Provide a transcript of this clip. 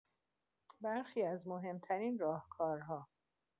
برخی از مهم‌ترین راهکارها